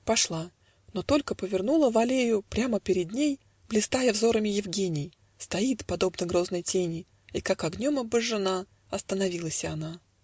Пошла, но только повернула В аллею, прямо перед ней, Блистая взорами, Евгений Стоит подобно грозной тени, И, как огнем обожжена, Остановилася она.